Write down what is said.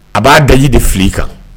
A b'a daji de fili kan